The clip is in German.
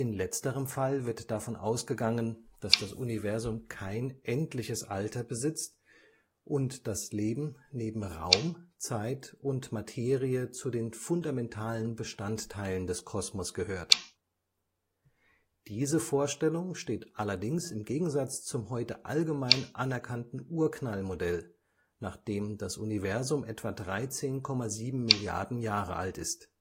letzterem Fall wird davon ausgegangen, dass das Universum kein endliches Alter besitzt und das Leben neben Raum, Zeit und Materie zu den fundamentalen Bestandteilen des Kosmos gehört. Diese Vorstellung steht allerdings im Gegensatz zum heute allgemein anerkannten Urknall-Modell, nach dem das Universum etwa 13,7 Milliarden Jahre alt ist